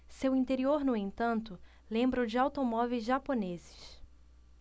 seu interior no entanto lembra o de automóveis japoneses